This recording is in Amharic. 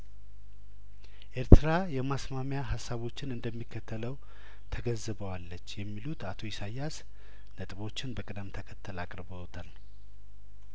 ኤርትራ የማስማሚያ ሀሳቦችን እንደሚከተለው ተገንዝባ ዋለች የሚሉት አቶ ኢሳያስ ነጥቦችን በቅደም ተከተል አቅርበውታል